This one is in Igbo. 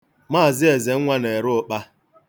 Mz. Ezenwa na-ere ụkpa.